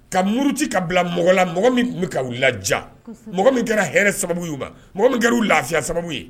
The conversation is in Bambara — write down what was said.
Ka muruti ka bila mɔgɔ la , mɔgɔ min tun bi kaw ladiya kɔsɛbɛ . Mɔgɔ min kɛra hɛrɛ sababu yu ma. Mɔgɔ min kɛra u lafiya sababu ye.